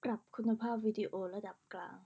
ปรับคุณภาพวิดีโอระดับกลาง